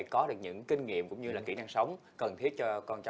có được những kinh nghiệm cũng như kĩ năng sống cần thiết cho con